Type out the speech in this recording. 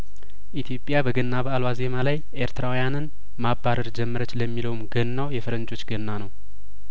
ኢትዮጵያበገና በአል ዋዜማ ላይ ኤርትራውያንን ማባረር ጀመረች ለሚ ለውም ገናው የፈረንጆች ገና ነው